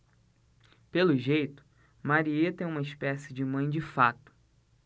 pelo jeito marieta é uma espécie de mãe de fato